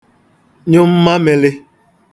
nyụ mmamị̄lị̄